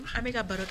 An bɛ ka baro kɛ